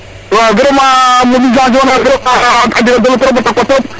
`waaw vraiment mobilisation ne mosa trop a jega solo trop a takwa trop